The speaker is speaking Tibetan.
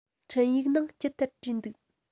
འཕྲིན ཡིག ནང ཅི ལྟར བྲིས འདུག